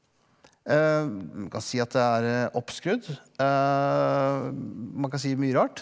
kan si at det er oppskrudd man kan si mye rart.